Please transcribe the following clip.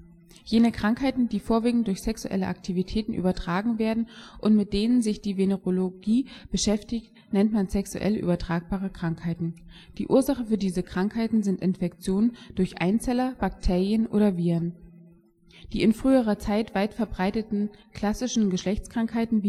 Jene Krankheiten, die vorwiegend durch sexuelle Aktivitäten übertragen werden und mit denen sich die Venerologie beschäftigt, nennt man sexuell übertragbare Krankheiten. Die Ursache für diese Krankheiten sind Infektionen durch Einzeller, Bakterien oder Viren. Die in früherer Zeit weit verbreiteten „ klassischen Geschlechtskrankheiten